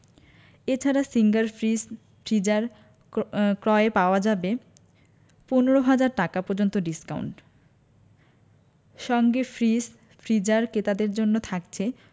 এ ছাড়া Singer fridge freezer ক্রয়ে পাওয়া যাবে ১৫ ০০০ টাকা পর্যন্ত ডিসকাউন্ট সঙ্গে ফ্রিজ ফ্রিজার কেতাদের জন্য থাকছে